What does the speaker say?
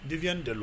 Dibi da